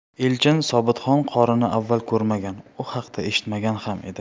elchin sobitxon qorini avval ko'rmagan u haqda eshitmagan ham edi